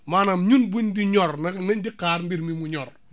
maanaam ñun buñ di ñor nag nañ di xaar mbir mi mu ñor